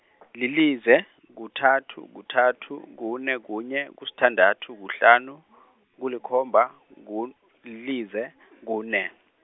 lilize, kuthathu, kuthathu , kune, kunye, kusithandathu, kuhlanu , kulikhomba, ku- lilize, kune.